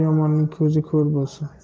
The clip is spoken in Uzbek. yomonning ko'zi ko'r bo'lsin